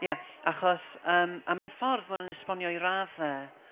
Ie achos yym, a mewn ffordd ma' hwn yn esbonio i raddau...